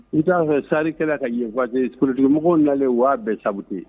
I t'a fɛ sarikɛla ka yenwate kolontigimɔgɔww nalen waa bɛɛ sababute